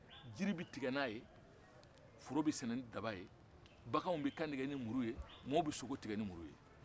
jiri bɛ tigɛ n'a ye foro bɛ sɛnɛ ni daba ye baganw bɛ kantigɛ ni muru maa o bɛ sogo tigɛ ni muru